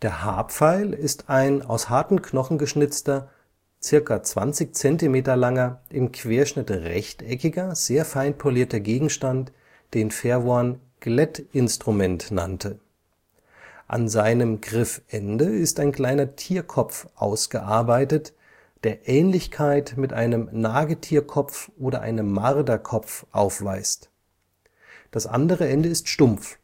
Haarpfeil “ist ein aus harten Knochen geschnitzter, ca. 20 cm langes, im Querschnitt rechteckiger, sehr fein polierter Gegenstand, den Verworn „ Glättinstrument “nannte. An seinem Griffende ist ein kleiner Tierkopf ausgearbeitet, der Ähnlichkeit mit einem Nagetierkopf oder einem Marderkopf aufweist. Das andere Ende ist stumpf